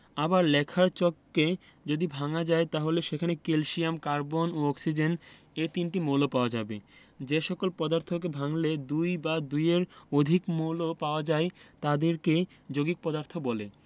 আবার লেখার চককে যদি ভাঙা যায় তাহলে সেখানে ক্যালসিয়াম কার্বন ও অক্সিজেন এ তিনটি মৌল পাওয়া যাবে যে সকল পদার্থকে ভাঙলে দুই বা দুইয়ের অধিক মৌল পাওয়া যায় তাদেরকে যৌগিক পদার্থ বলে